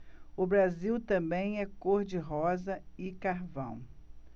o brasil também é cor de rosa e carvão